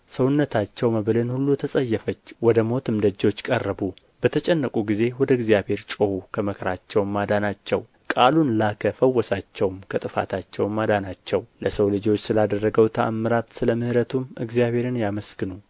ሰውነታቸው መብልን ሁሉ ተጸየፈች ወደ ሞትም ደጆች ቀረቡ በተጨነቁ ጊዜም ወደ እግዚአብሔር ጮኹ ከመከራቸውም አዳናቸው ቃሉን ላከ ፈወሳቸውም ከጥፋታቸውም አዳናቸው ለሰው ልጆች ስላደረገው ተኣምራት ስለ ምሕረቱም እግዚአብሔርን ያመሰግኑ